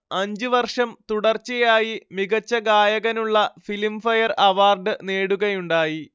അഞ്ച്വർഷം തുടർച്ചയായി മികച്ചഗായകനുള്ള Filmfare award നേടുകയുണ്ടായി